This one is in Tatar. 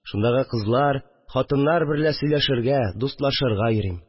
Шундагы кызлар, хатыннар берлә сөйләшергә, дустланышырга йөрим